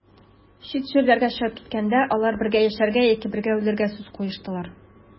Чит җирләргә чыгып киткәндә, алар бергә яшәргә яки бергә үләргә сүз куештылар.